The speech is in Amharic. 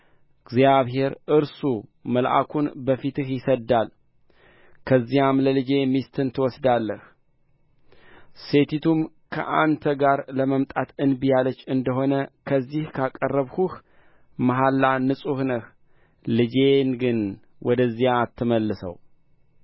እግዚአብሔር እርሱ መልአኩን በፊትህ ይሰድዳል ከዚያም ለልጄ ሚስትን ትወስዳለህ ሴቲቱም ከአንተ ጋር ለመምጣት እንቢ ያለች እንደ ሆነ ከዚህ ካቀረብሁህ መሐላ ንጹሕ ነህ ልጄን ግን ወደዚያ አትመልሰው